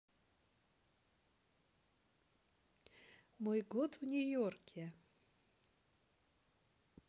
мой год в нью йорке